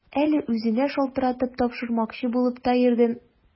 Әле үзенә шалтыратып, тапшырмакчы булып та йөрдем.